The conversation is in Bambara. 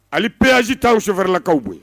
Ale pesi t taa sofɛlakaw bɔ